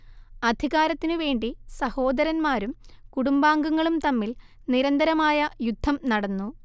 അധികാരത്തിനുവേണ്ടി സഹോദരന്മാരും കുടുംബാംഗങ്ങളും തമ്മിൽ നിരന്തരമായ യുദ്ധം നടന്നു